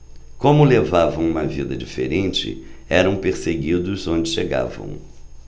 como levavam uma vida diferente eram perseguidos onde chegavam